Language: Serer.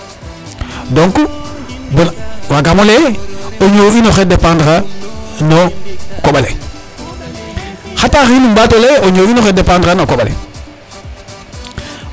Donc bon waagaam o lay ee o ñoow in oxoy dépendre a no koƥ ale xataa ;um ɓaat o lay ee o ñoow in oxey dépendre a na koƥ ale.